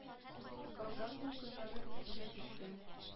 Калган дулкыннар өстенә төшкән